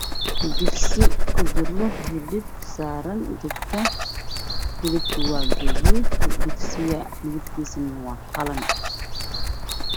Halkaan waxaa ka muuqdo digsi ku jiro hilib gaduudan oo jarjaran digsigana waa cadaan